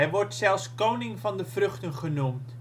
wordt zelfs koning van de vruchten genoemd